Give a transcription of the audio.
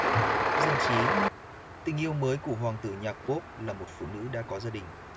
dân trí tình yêu mới của hoàng tử nhạc pop là một phụ nữ đã có gia đình